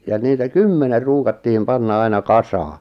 ja niitä kymmenen ruukattiin panna aina kasaan